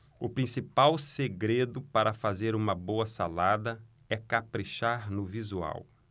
o principal segredo para fazer uma boa salada é caprichar no visual